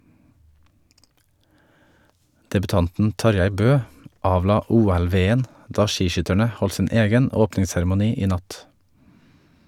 Debutanten Tarjei Bø avla "OL-veden" da skiskytterne holdt sin egen åpningsseremoni i natt.